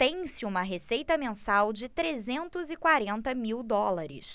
tem-se uma receita mensal de trezentos e quarenta mil dólares